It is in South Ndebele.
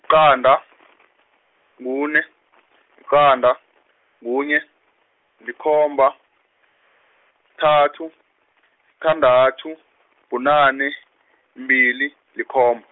-qanda, kune, yiqanda, kunye, likhomba, kuthathu, sithandathu, bunane, mbili, likhom-.